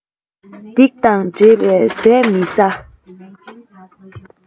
སྡིག དང འདྲེས པའི ཟས མི ཟ